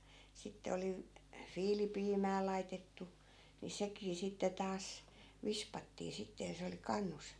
sitten oli - viilipiimää laitettu niin sekin sitten taas vispattiin sitten ja se oli kannussa